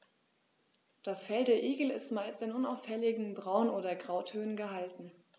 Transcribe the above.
Das Fell der Igel ist meist in unauffälligen Braun- oder Grautönen gehalten.